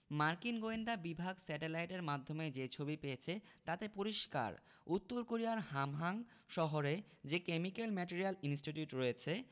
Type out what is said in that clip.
মার্কিন গোয়েন্দা বিভাগ স্যাটেলাইটের মাধ্যমে যে ছবি পেয়েছে তাতে পরিষ্কার উত্তর কোরিয়ার হামহাং শহরে যে কেমিক্যাল ম্যাটেরিয়াল ইনস্টিটিউট রয়েছে